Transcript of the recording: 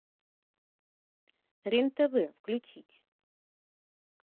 рен тв включить